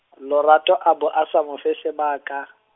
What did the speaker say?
Lorato a bo a sa mo fe sebaka.